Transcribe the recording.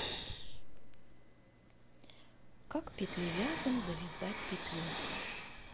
как петлевязом завязать петлю